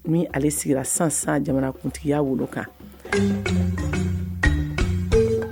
Min ale sigira sisan sisan jamanakuntigiya wolo kan